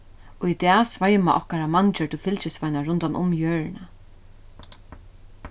í dag sveima okkara manngjørdu fylgisveinar rundan um jørðina